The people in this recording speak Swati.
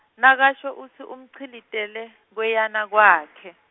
Nakasho utsi umchilitele, kweyana kwakhe.